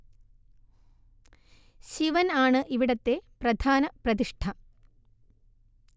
ശിവൻ ആണ് ഇവിടത്തെ പ്രധാന പ്രതിഷ്ഠ